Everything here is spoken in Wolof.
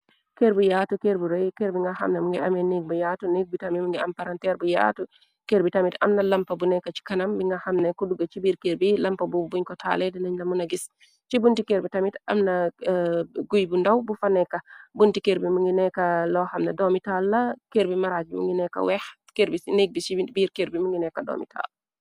kër bi yaatu kërbi rëy kër bi nga xamne mungi amee neg bu yaatu nek bi tamit m ngi am paranteer bu yaatu kër bi tamit amna lampa bu nekka ci kanam bi nga xamne kudduga ci biir kër bi lampa bu buñ ko taale di nañ lamu na gis ci bunti kër bi tamit amna guy bu ndàw bu fa nekka bunti kër bi mingi nekka loo xamne doomitaal la kër bi maraaj mungi nekka weex k nk bi ci biir kër bi mingi nekka doomitaal